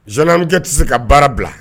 Zkɛ tɛ se ka baara bila